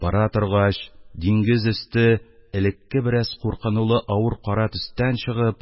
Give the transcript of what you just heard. Бара торгач, диңгез өсте элекке бераз куркынулы авыр кара төстән чыгып